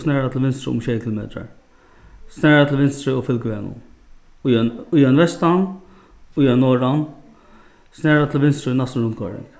snara til vinstru um sjey kilometrar snara til vinstru og fylg vegnum í ein í ein vestan í ein norðan snara til vinstru í næstu rundkoyring